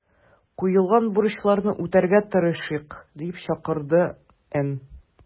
Куелган бурычларны үтәргә тырышыйк”, - дип чакырды Н.